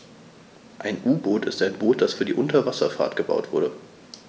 Ein U-Boot ist ein Boot, das für die Unterwasserfahrt gebaut wurde.